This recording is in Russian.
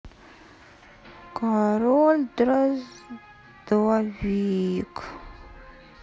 король дроздовик